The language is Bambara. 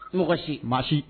N mɔgɔ si maasi